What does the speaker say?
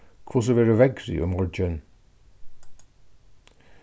hvussu verður veðrið í morgin